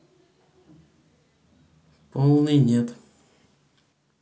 полный нет